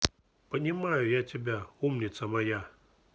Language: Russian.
понимаю я тебя умница моя